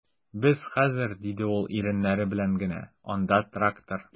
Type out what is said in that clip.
Без хәзер, - диде ул иреннәре белән генә, - анда трактор...